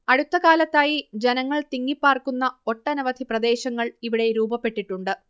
അടുത്തകാലത്തായി ജനങ്ങൾ തിങ്ങിപ്പാർക്കുന്ന ഒട്ടനവധി പ്രദേശങ്ങൾ ഇവിടെ രൂപപ്പെട്ടിട്ടുണ്ട്